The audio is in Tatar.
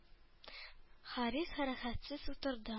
Харис хәрәкәтсез утырды.